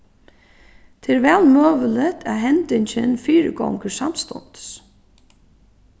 tað er væl møguligt at hendingin fyrigongur samstundis